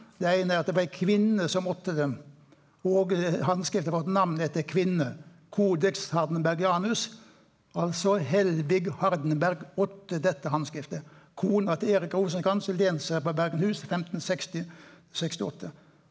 det eine er at det var ei kvinne som otta den og handskrifta har fått namn etter ei kvinne, Codex Hardenbergianus, altså Helvig Hardenberg otta dette handskriftet, kona til Erik Rosenkranz lensherre på Bergenhus 1560 til sekstiåtte.